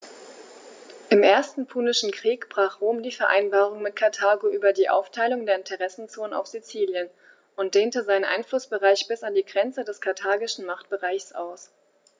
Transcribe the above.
Im Ersten Punischen Krieg brach Rom die Vereinbarung mit Karthago über die Aufteilung der Interessenzonen auf Sizilien und dehnte seinen Einflussbereich bis an die Grenze des karthagischen Machtbereichs aus.